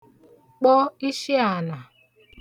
kpọ ishiànà